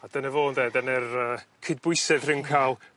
A dyna fo ynde dyne'r yy cydbwysedd rh'in ca'l